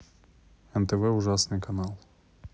нтв ужасный канал